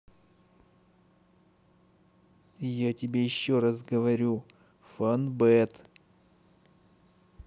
я тебе еще раз говорю фонбет